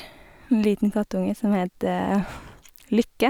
En liten kattunge som het Lykke.